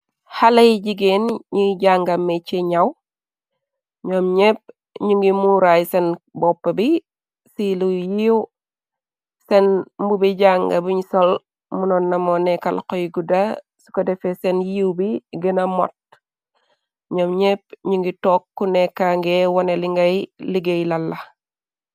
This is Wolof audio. Haley yi jigeen ñi jànga mèchè ñaw, ñoom ñepp ñu ngi muuraay senn boppa bi ci lu yiiw. Senn mbubi jànga bi ñu sol munoon namo nekka loho yu gudda so ko defeh senn yiiw bi gëna mot. Ñoom ñépp ñu ngi toog nekkangee wonè li ngay liggéey lalla.